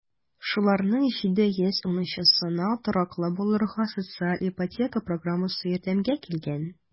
Шуларның 710-сына тораклы булырга социаль ипотека программасы ярдәмгә килгән.